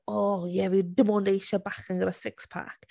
O ie fi ddim ond eisiau bachgen gyda six pack.